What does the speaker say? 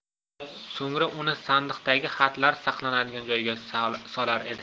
so'ngra uni sandiqdagi xatlar saqlanadigan joyga solar edi